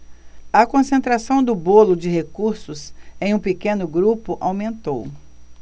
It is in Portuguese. a concentração do bolo de recursos em um pequeno grupo aumentou